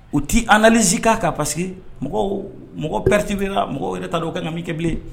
U t tɛ anz kan ka parceseke mɔgɔw mɔgɔ beretiela mɔgɔ yɛrɛ taa don u ka na mi kɛ bilen